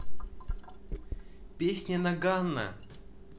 песни ноггано